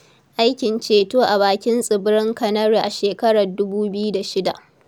Aikin ceto a bakin Tsibirin Kanari a shekarar 2006.